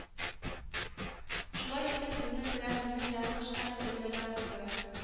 Шулай итеп сезнең белән минем язмыш хәл ителде дә куйды